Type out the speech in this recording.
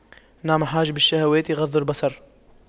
نعم حاجب الشهوات غض البصر